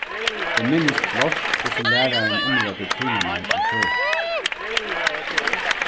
eg minnist klárt hvussu lærarin umrøddi tímarnar í føroyskum